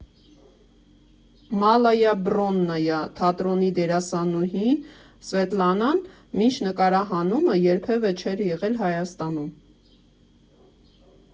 Մալայա Բրոննայա թատրոնի դերասանուհի Սվետլանան, մինչ նկարահանումը, երբևէ չէր եղել Հայաստանում։